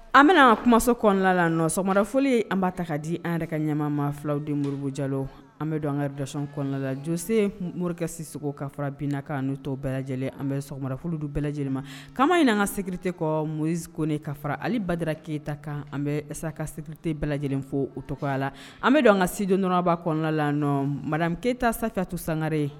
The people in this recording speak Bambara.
An bɛna kumaso kɔnɔna la nɔrafolo an b'a ta ka di an yɛrɛ ka ɲɛmaama filawden muruurubu jalo an bɛ don an kaddati kɔnɔna la jose morikɛsi sogo kara bin kan n'u tɔw bɛɛ lajɛlen an bɛrafololi dun bɛɛ lajɛlen ma kan ɲin an ka sete kɔ mɔnsiknen ka fara ale badara keyita kan an bɛsasɛte bɛɛ lajɛlen fɔ o tɔgɔya la an bɛ don an ka sidi nɔnba kɔnɔna la mara keyita sa to sangare ye